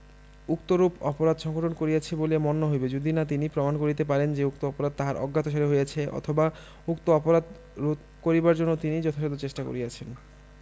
উক্তরূপ অপরাধ সংঘটন করিয়াছেন বলিয়া মণ্য হইবে যদি না তিনি প্রমাণ করিতে পারেন যে উক্ত অপরাধ তাহার অজ্ঞাতসারে হইয়াছে অথবা উক্ত অপরাধ রোধ করিবার জন্য তিনি যথাসাধ্য চেষ্টা করিয়াছেন